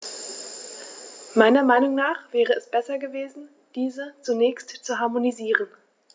Meiner Meinung nach wäre es besser gewesen, diese zunächst zu harmonisieren.